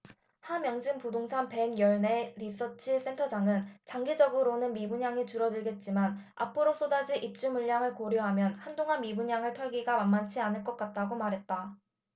함영진 부동산 백 열 네 리서치센터장은 장기적으로는 미분양이 줄어들겠지만 앞으로 쏟아질 입주물량을 고려하면 한동안 미분양을 털기가 만만찮을 것 같다고 말했다